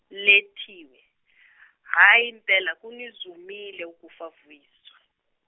lethiwe hhayi impela kunizumile ukufa Vuyiswa.